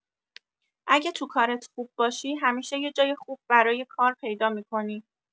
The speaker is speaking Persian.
اگه تو کارت خوب باشی، همیشه یه جای خوب برای کار پیدا می‌کنی.